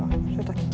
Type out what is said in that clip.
sjøl takk.